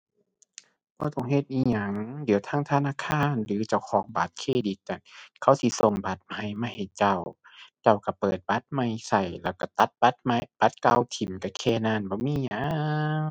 บ่ต้องเฮ็ดอิหยัง เดี๋ยวทางธนาคารหรือเจ้าของบัตรเครดิตน่ะ เขาสิส่งบัตรใหม่มาให้เจ้า เจ้าก็เปิดบัตรใหม่ก็ แล้วก็ตัดบัตรใหม่ บัตรเก่าถิ้ม ก็แค่นั้นบ่มีหยัง